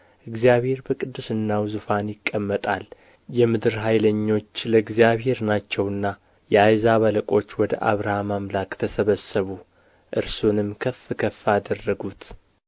እግዚአብሔር በአሕዛብ ላይ ነገሠ እግዚአብሔር በቅድስናው ዙፋን ይቀመጣል የምድር ኃይለኞች ለእግዚአብሔር ናቸውና የአሕዛብ አለቆች ወደ አብርሃም አምላክ ተሰበሰቡ እርሱንም ከፍ ከፍ አደረጉት